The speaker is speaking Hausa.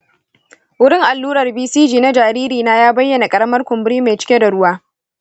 wurin allurar bcg na jaririna ya bayyana ƙaramar kumburi mai cike da ruwa.